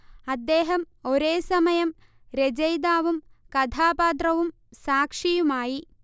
അദ്ദേഹം ഒരേസമയം രചയിതാവും കഥാപാത്രവും സാക്ഷിയുമായി